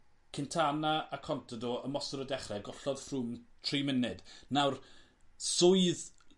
Quintana a Contador ymod o dechre gollodd Froome tri munud. Nawr swydd